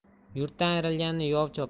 yurtdan ayrilganni yov chopar